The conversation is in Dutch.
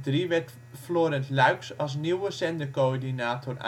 In 2003 werd Florent Luyckx als nieuwe zendercoördinator